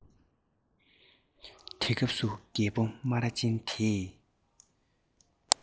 དེ སྐབས སུ རྒད པོ རྨ ར ཅན དེས